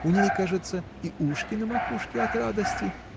у ней, кажется, и ушки на макушке от радости.